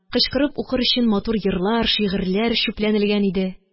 Кычкырып укыр өчен матур йырлар, шигырьләр чүпләнелгән иде